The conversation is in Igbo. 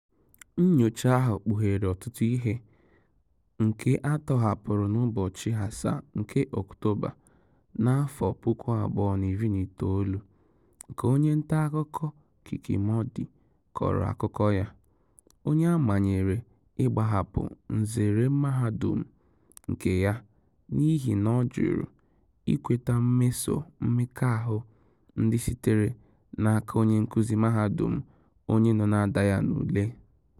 Nnyocha ahụ kpụghere ọtụtụ ihe, nke a tọhapụrụ n'ụbọchị 7 nke Ọktoba, 2019, nke onye ntaakụkọ Kiki Mordi kọrọ akụkọ ya, onye a manyere ịgbahapụ nzere mahadum nke ya n'ihi na ọ jụrụ ikweta mmeso mmekọahu ndị sitere n'aka onye nkụzi mahadum onye nọ na-ada ya n'ule: